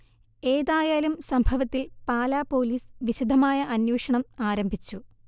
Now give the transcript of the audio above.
ഏതായാലും സംഭവത്തിൽ പാലാ പോലീസ് വിശദമായ അന്വേഷണം ആരംഭിച്ചു